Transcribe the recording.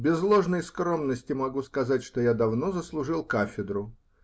Без ложной скромности могу сказать, что я давно заслужил кафедру